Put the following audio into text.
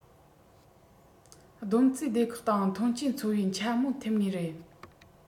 བསྡོམས རྩིས སྡེ ཁག དང ཐོན འབྱེད ཚོང པས འཕྱ སྨོད ཐེབས ངེས རེད